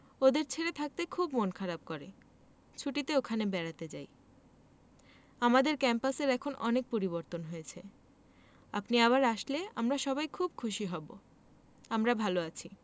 ওদের ছেড়ে থাকতে খুব মন খারাপ করে ছুটিতে ওখানে বেড়াতে যাই আমাদের ক্যাম্পাসের এখন অনেক পরিবর্তন হয়েছে আপনি আবার আসলে আমরা সবাই খুব খুশি হব আমরা ভালো আছি